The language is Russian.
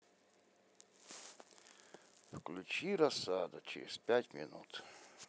включи рассада через пять минут